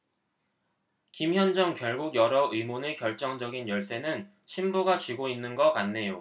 김현정 결국 여러 의문의 결정적인 열쇠는 신부가 쥐고 있는 거 같네요